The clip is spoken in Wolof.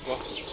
waxtu